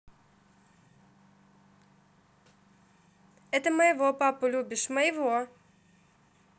это моего папу любишь моего